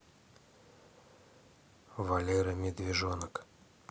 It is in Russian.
валера медвежонок